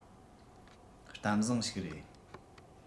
གཏམ བཟང ཞིག རེད